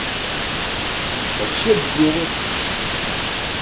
а че голос